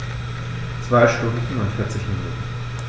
2 Stunden und 40 Minuten